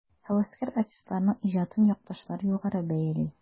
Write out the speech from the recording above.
Һәвәскәр артистларның иҗатын якташлары югары бәяли.